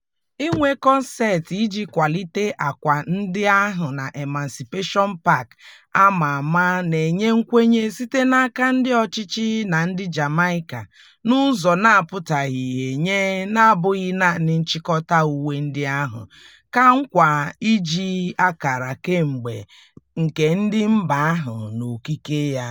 Inwe kọnseetị iji kwalite akwa ndị ahụ n'Emancipation Park a ma ama na-enye nkwenye site n'aka ndị ọchịchị na ndị Jamaica n'ụzọ na-apụtaghị ihe nye na-abụghị naanị nchịkọta uwe ndị ahụ, kamakwa n'iji ákàrà kemba ndị nke mba ahụ n'okike ha.